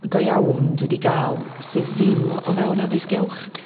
go iawn dwi 'di ga'l sydd ddim o fewn addysg uwch